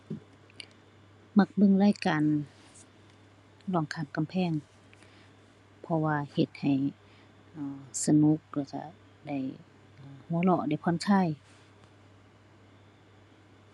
มักเบิ่งรายการร้องข้ามกำแพง เพราะว่าเฮ็ดให้ อ่า สนุก แล้วก็ได้ อ่า หัวเราะ ได้ผ่อนคลาย